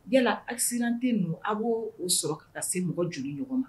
Yala aw sirante ninnu a b' o sɔrɔ ka se mɔgɔ joli ɲɔgɔn ma